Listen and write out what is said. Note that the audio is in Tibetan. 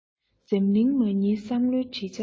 འཛམ གླིང མ བསྙེལ བསམ བློའི བྲིས བྱ མཛོད